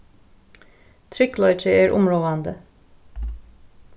tryggleiki er umráðandi